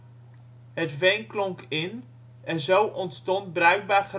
Het veen klonk in, en zo ontstond bruikbaar grasland